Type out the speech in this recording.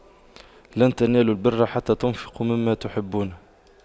لَن تَنَالُواْ البِرَّ حَتَّى تُنفِقُواْ مِمَّا تُحِبُّونَ